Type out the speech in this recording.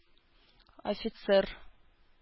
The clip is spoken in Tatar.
Офицер